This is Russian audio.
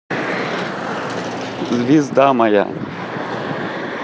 звезда моя